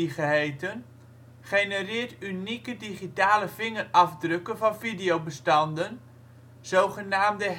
geheten, genereert unieke digitale vingerafdrukken van videobestanden, zogenaamde